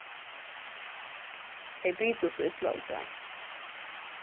tey bitu so illa í gjár